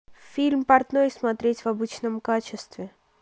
фильм портной смотреть в обычном качестве